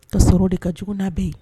Ka sɔrɔ de ka juguna bɛ yen